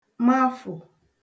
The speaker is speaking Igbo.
mafụ̀